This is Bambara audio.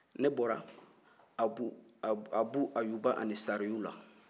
ne bɔra abu ayuba anisariyu la